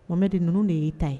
Mohamɛdi ninnu de y'i ta ye.